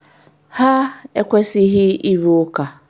Ha ekwesịghị ịrụ ụka.